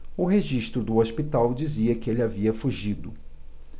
o registro do hospital dizia que ele havia fugido